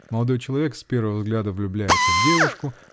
Молодой человек с первого взгляда влюбляется в девушку